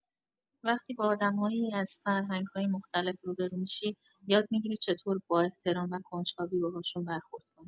وقتی با آدمایی از فرهنگ‌های مختلف روبه‌رو می‌شی، یاد می‌گیری چطور با احترام و کنجکاوی باهاشون برخورد کنی.